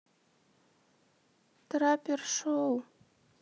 трапер шоу